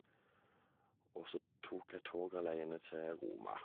Og så tok jeg tog aleine til Roma.